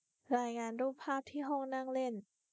รายงานรูปภาพที่ห้องนั่งเล่น